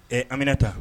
Ɛ anmina taa